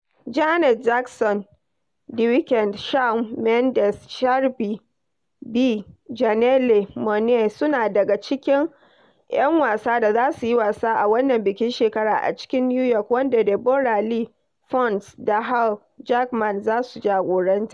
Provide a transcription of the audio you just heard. Janet Jackson, the Weeknd, Shawn Mendes, Cardi B, Janelle Monáe suna daga cikin 'yan wasa da za su yi wasa a wannan bikin shekara a cikin New York, wanda Deborra-Lee Furness da Hugh Jackman za su jagoranta.